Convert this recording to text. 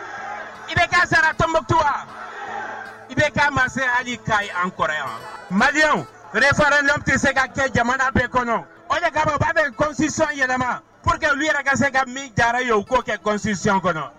I bɛ saratomɔtu i bɛ an kɔrɔ mariafa tɛ se ka kɛ jamana bɛɛ kɔnɔ o' bɛ gsisɔn yɛlɛma u yɛrɛ se ka min diyara ye u k'o kɛsisi kɔnɔ